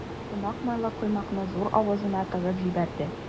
Кунак майлы коймакны зур авызына тыгып җибәрде.